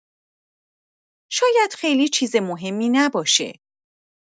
شاید خیلی چیز مهمی نباشه